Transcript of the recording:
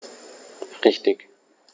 Richtig